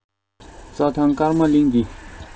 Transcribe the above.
རྩ ཐང སྐར མ གླིང འདི